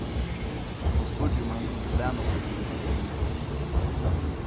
hann spurdi um hann kundi læna súkkluna hjá henni